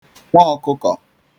nwa ọ̀kụkọ̀